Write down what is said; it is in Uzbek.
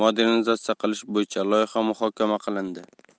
modernizatsiya qilish bo'yicha loyiha muhokama qilindi